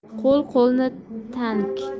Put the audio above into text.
qo'l qo'lni tank